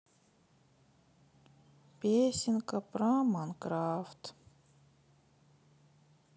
песенка про майнкрафт